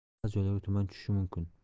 ba'zi joylarga tuman tushishi mumkin